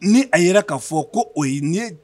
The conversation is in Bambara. Ni a yɛrɛ ka fɔ ko o ye